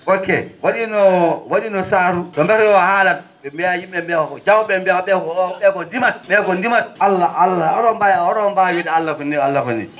ok wa?iino wa?iino saatu so météo haalat ?e mbiya yim?e ?ee mbiyat Diaw?e ?ee ?e ko o ?e ko ndimat Allah Allah o?on mbaawi wiide Allah ko ni Allah ko ni